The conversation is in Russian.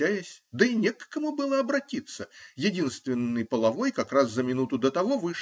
да и не к кому было обратиться -- единственный половой как раз за минуту до того вышел.